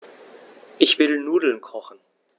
Ich will Nudeln kochen.